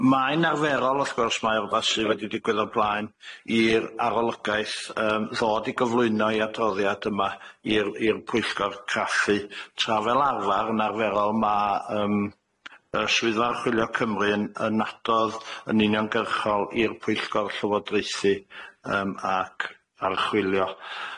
M- mae'n arferol wrth gwrs, mae o rwbath sy wedi digwydd o'r blaen i'r arolygaeth yym ddod i gyflwyno 'i adroddiad yma i'r i'r pwyllgor craffu tra fel arfar yn arferol ma' yym y swyddfa archwilio Cymru yn yn adodd yn uniongyrchol i'r pwyllgor llywodraethu yym ac archwilio.